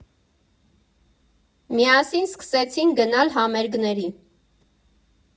Միասին սկսեցինք գնալ համերգների։